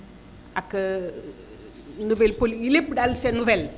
ak nouvelle poli lépp daal c' est nouvelle